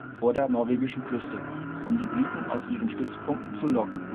vor der norwegischen Küste, um die Briten aus ihren Stützpunkten zu locken